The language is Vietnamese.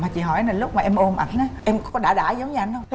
mà chị hỏi là lúc mà em ôm ảnh ý em có đã đã giống như ảnh hông